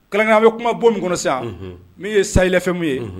Kalankan bɛ kuma bɔ min kɔnɔ sa min ye sayilafɛnmu ye